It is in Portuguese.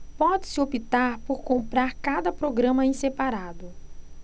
pode-se optar por comprar cada programa em separado